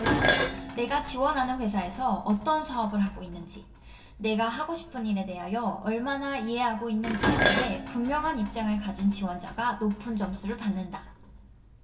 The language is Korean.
내가 지원하는 회사에서 어떤 사업을 하고 있는지 내가 하고 싶은 일에 대하여 얼마나 이해하고 있는지에 대해 분명한 입장을 가진 지원자가 높은 점수를 받는다